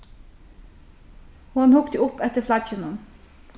hon hugdi upp eftir flagginum